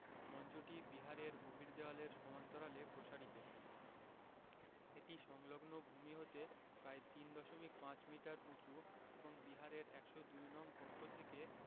মঞ্চটি বিহারের বহির্দেয়ালের সমান্তরালে প্রসারিত এটি সংলগ্ন ভূমি হতে প্রায় ৩ দশমিক ৫ মিটার উঁচু এবং বিহারের ১০২ নং কক্ষ থেকে